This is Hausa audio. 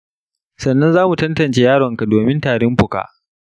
sannan za mu tantace yaronka domin tarin fuka.